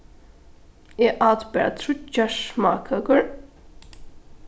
eg át bara tríggjar smákøkur